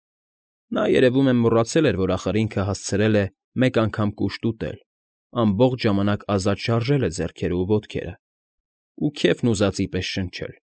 Նա, երկևում է, մոռացել էր, որ ախր ինքը հասցրել է մեկ անգամ կուշտ ուտել, ամբողջ ժամանակ ազատ շարժել է ձեռքերն ու ոտքերը ու քեֆն ուզածի պես շնչել։֊